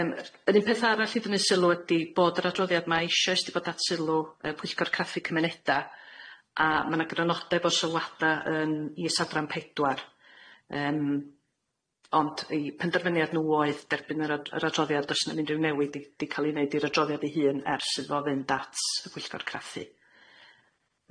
Yym yr yr un peth arall i ddynnu sylw ydi bod yr adroddiad yma eisoes di bod at sylw yy pwyllgor craffu cymuneda a ma' na grynodeb o sylwada yn is adran pedwar yym. ond ei penderfyniad nw oedd derbyn yr o- yr adroddiad do's na'm unrhyw newid i di ca'l i neud i'r adroddiad i hun ers iddo fo ddim ats y gwyllgor craffu.